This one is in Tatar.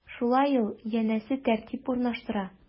Шулай ул, янәсе, тәртип урнаштыра.